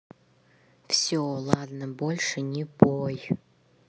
все ладно больше не пой